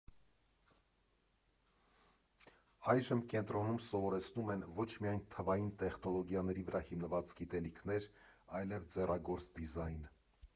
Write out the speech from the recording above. Այժմ կենտրոնում սովորացնում են ոչ միայն թվային տեխնոլոգիաների վրա հիմնված գիտելիքներ, այլև ձեռագործ դիզայն։